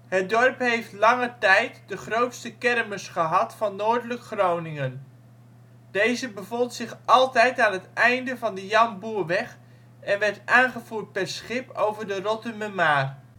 Het dorp heeft lange tijd de grootste kermis gehad van noordelijk Groningen. Deze bevond zich altijd aan het einde van de Jan Boerweg en werd aangevoerd per schip over de Rottumermaar